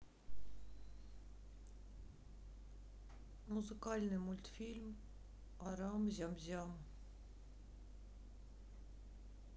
музыкальный мультфильм арам зям зям